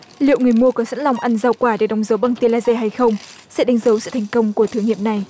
liệu người mua có sẵn lòng ăn rau quả để đóng dấu bằng tia la de hay không sẽ đánh dấu sự thành công của thử nghiệm này